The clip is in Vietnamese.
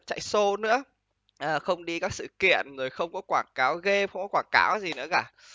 chạy sô nữa à không đi các sự kiện người không có quảng cáo ghêm không có quảng cáo gì nữa cả